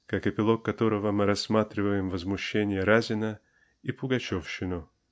как эпилог которого мы рассматриваем возмущение Разина и пугачевщину.